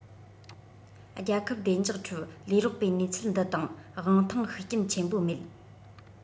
རྒྱལ ཁབ བདེ འཇགས ཁྲུའུ ལས རོགས པའི ནུས ཚད འདི དང དབང ཐང ཤུགས རྐྱེན ཆེན པོ མེད